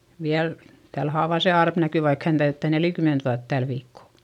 vielä tällä haavaa se arpi näkyy vaikka hän täyttää neljäkymmentä vuotta tällä viikkoa